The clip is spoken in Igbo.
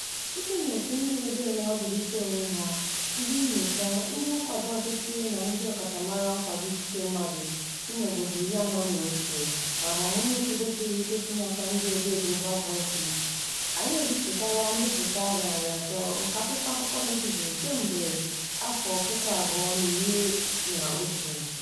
Site na òtù ndị odee na-azụlite onwe ha, ndị nnyocha, ndị nkwado ọchịchị na ndị ọkachamara nkwado ikike mmadụ sị n'obodo 41 (lee ndepụta zuru oke n'okpuru) na agbamuume kwụdosirike sị n'aka ndị odee Global Voices, anyị ebipụtala mbipụta 300 nke akwụkwọ akụkọ Netizen kemgbe 2011.